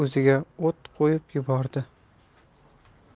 o'ziga o't qo'yib yubordi